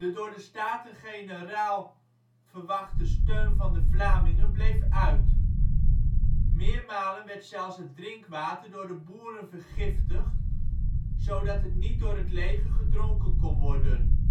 door de Staten-Generaal verwachte steun van de Vlamingen bleef uit. Meermalen werd zelfs het drinkwater door de boeren vergiftigd, zodat het niet door het leger gedronken kon worden